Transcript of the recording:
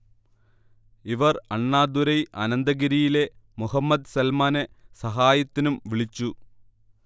ഇവർ അണ്ണദുരൈ അനന്തഗിരിയിലെ മുഹമ്മദ് സൽമാനെ സഹായത്തിനും വിളിച്ചു